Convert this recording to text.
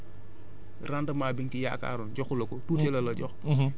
parce que bu dee li nga fa bay rendement bi nga ci yaakaaroon joxu la ko